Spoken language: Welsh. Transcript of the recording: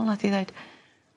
...fel nath hi ddeud ...